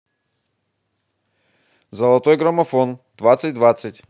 золотой граммофон двадцать двадцать